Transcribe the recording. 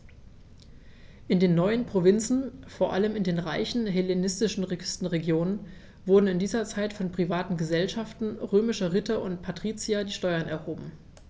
In den neuen Provinzen, vor allem in den reichen hellenistischen Küstenregionen, wurden in dieser Zeit von privaten „Gesellschaften“ römischer Ritter und Patrizier die Steuern erhoben.